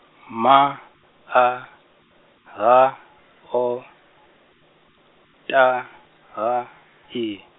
M A, A, H, O, T, H, I.